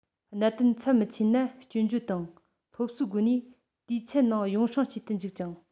གནད དོན ཚབས མི ཆེ ན སྐྱོན བརྗོད དང སློབ གསོའི སྒོ ནས དུས ཆད ནང ཡོ བསྲང བྱེད དུ འཇུག ཅིང